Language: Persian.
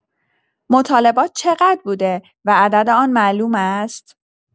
مطالبات چقدر بوده و عدد آن معلوم است؟